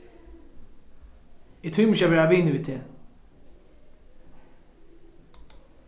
eg tími ikki at vera vinur við teg